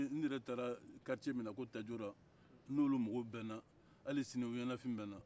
n yɛrɛ taara sigida min na ko tacora n n'olu mɔgɔw bɛnna wali sinin u jɛnafin bɛ n na